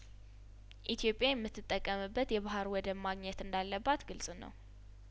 ኢትዮጵያ የምትጠቀምበት የባህር ወደብ ማግኘት እንዳለባት ግልጽ ነው